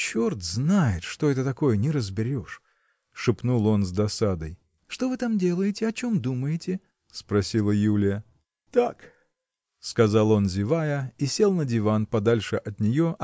Черт знает, что это такое, не разберешь! – шепнул он с досадой. – Что вы там делаете? О чем думаете? – спросила Юлия. – Так. – сказал он зевая и сел на диван подальше от нее